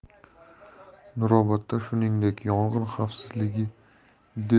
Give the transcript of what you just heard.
nurobodda shuningdek yong'in xavfsizligi